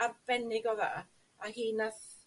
arbennig o dda, a hi nath